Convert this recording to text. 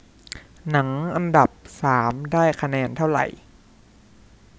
หนังอันดับสามได้คะแนนเท่าไหร่